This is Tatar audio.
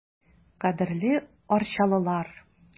Кадерле арчалылар!